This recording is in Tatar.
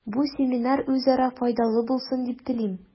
Бу семинар үзара файдалы булсын дип телим.